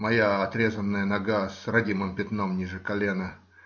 Моя отрезанная нога с родимым пятном ниже колена.